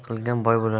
qilgan boy bo'lar